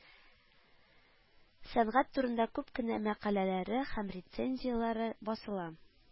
Сәнгать турында күп кенә мәкаләләре һәм рецензияләре басыла